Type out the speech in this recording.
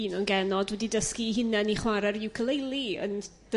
un o'n genod wedi dysgu 'i hunain i chwar'e'r iwcaleili yn d-.